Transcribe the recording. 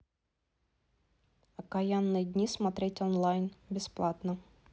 окаянные дни смотреть онлайн бесплатно